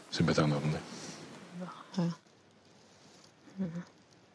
Rhywbeth anodd yndi. Hmm. Hmm.